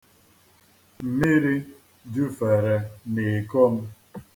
Iko m jufere na mmiri.